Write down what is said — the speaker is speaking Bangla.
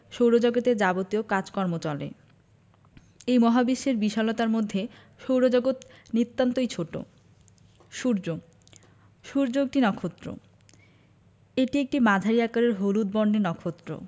সৌরজগতের যাবতীয় কাজকর্ম চলে এই মহাবিশ্বের বিশালতার মধ্যে সৌরজগৎ নিতান্তই ছোট সূর্যঃ সূর্য একটি নক্ষত্র এটি একটি মাঝারি আকারের হলুদ বর্ণের নক্ষত্র